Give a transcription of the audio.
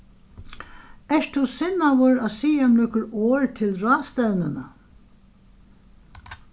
ert tú sinnaður at siga nøkur orð til ráðstevnuna